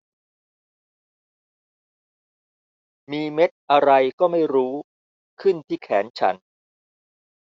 มีเม็ดอะไรก็ไม่รู้ขึ้นที่แขนฉัน